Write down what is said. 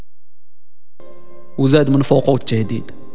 وزاد من فوق وتهديد